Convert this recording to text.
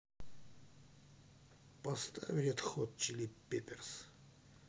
поставь ред хот чили пепперс